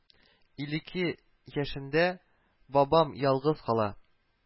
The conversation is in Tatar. Илле ике яшендә бабам ялгыз кала